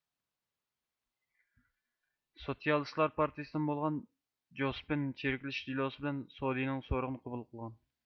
سوتسىياللار پارتىيىسىدىن بولغان جوسپىن چىرىكلىشىش دېلوسى بىلەن سودىيىنىڭ سورىقىنى قوبۇل قىلغان